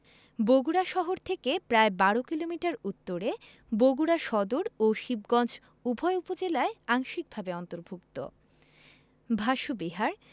বগুড়া শহর থেকে প্রায় ১২ কিলোমিটার উত্তরে বগুড়া সদর ও শিবগঞ্জ উভয় উপজেলায় আংশিকভাবে অন্তর্ভুক্ত ভাসু বিহার